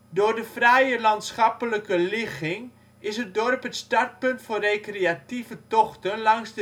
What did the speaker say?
Door de fraaie landschappelijke ligging is het dorp het startpunt voor recreatieve tochten langs